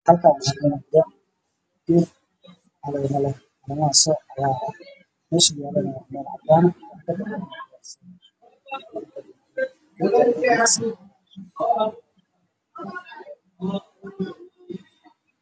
Waa geed caleemo dhaadheer ooubax